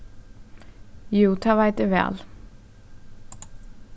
jú tað veit eg væl